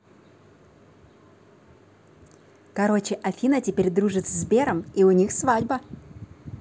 короче афина теперь дружит с сбером и у них свадьба